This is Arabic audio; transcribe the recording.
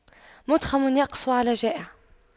مُتْخَمٌ يقسو على جائع